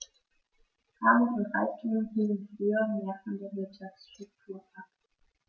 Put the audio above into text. Armut und Reichtum hingen früher mehr von der Wirtschaftsstruktur ab.